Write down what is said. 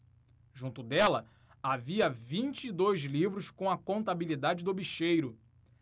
junto dela havia vinte e dois livros com a contabilidade do bicheiro